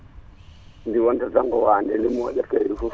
di wontata tan ko wade di moƴat kayri foof